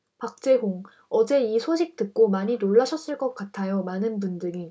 박재홍 어제 이 소식 듣고 많이 놀라셨을 것 같아요 많은 분들이